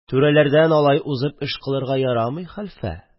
Түрәләрдән алай узып эш кылырга ярамый, хәлфә...